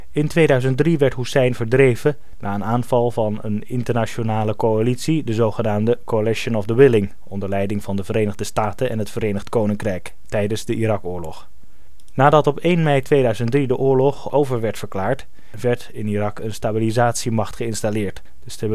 2003 werd Hoessein verdreven na een aanval van een internationale coalitie, de zogenaamde Coalition of the Willing, onder leiding van de Verenigde Staten en het Verenigd Koninkrijk tijdens de Irakoorlog. Nadat op 1 mei 2003 de oorlog over werd verklaard, werd in Irak een stabilisatiemacht geïnstalleerd, de